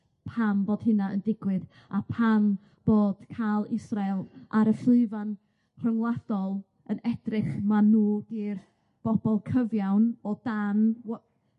pam bod hynna yn digwydd a pam bod ca'l Israel ar y llwyfan rhyngwladol yn edrych ma' nw 'di'r bobol cyfiawn o dan wa-